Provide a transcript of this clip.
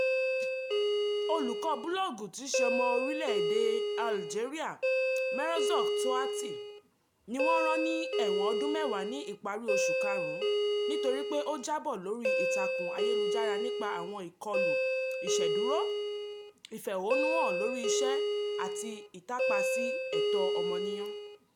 Olùkọ́ búlọ́ọ̀gù tíí ṣe ọmọ orílẹ̀ èdè Algeria Merzouq Touati ni wọ́n rán ní ẹ̀wọ̀n ọdún mẹ́wàá ní ìparí oṣù Karùn-ún nítorí pé ó jábọ̀ lórí ìtàkùn ayélujára nípa àwọn ìkọlù ìṣèdúró, ìfẹ̀hónúhàn lórí iṣẹ́, àti ìtàpá sí ẹ̀tọ́ ọmọnìyàn.